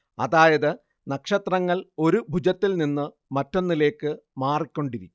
അതായത് നക്ഷത്രങ്ങൾ ഒരു ഭുജത്തിൽ നിന്ന് മറ്റൊന്നിലേക്ക് മാറിക്കൊണ്ടിരിക്കും